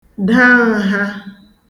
da ǹha